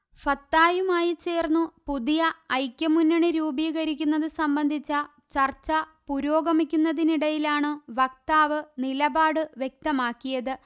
ഫത്തായുമായി ചേർന്നു പുതിയ ഐക്യ മുന്നണി രൂപീകരിക്കുന്നതു സംബന്ധിച്ച ചർച്ച പുരോഗമിക്കുന്നതിനിടയിലാണു വക്താവ് നിലപാടു വ്യക്തമാക്കിയത്